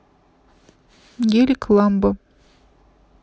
гелик ламба